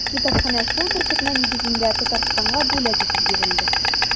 Китапханә шул беркетмә нигезендә Татарстанга бүләк итеп бирелде.